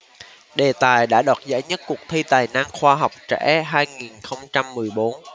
đề tài đã đoạt giải nhất cuộc thi tài năng khoa học trẻ hai nghìn không trăm mười bốn